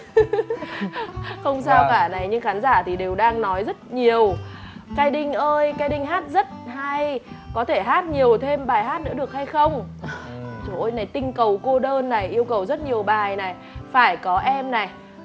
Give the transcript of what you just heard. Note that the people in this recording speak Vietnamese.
hư hư hư không sao cả này nhưng khán giả thì đều đang nói rất nhiều cai đinh ơi cai đinh hát rất hay có thể hát nhiều thêm bài hát nữa được hay không chồ ôi này tinh cầu cô đơn này yêu cầu rất nhiều bài này phải có em này